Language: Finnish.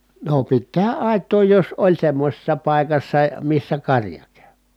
no piti tehdä aitaa jos oli semmoisessa paikassa missä karja käy